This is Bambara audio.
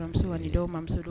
Muso dɔw mamuso don